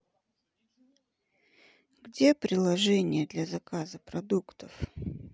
где приложение для заказа продуктов